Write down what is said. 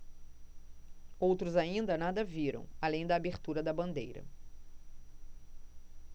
outros ainda nada viram além da abertura da bandeira